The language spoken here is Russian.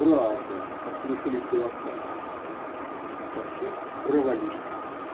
-- Правда, -- послышались голоса. "Ткачи" провалились.